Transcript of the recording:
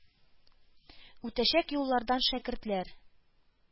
Үтәчәк юллардан шәкертләр